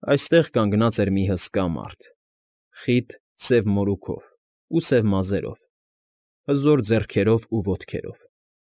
Այստեղ կանգնած էր մի հսկա մարդ խիտ սև մորքուով ու սև մազերով, հզոր ձեռքերով ու ոտքերով։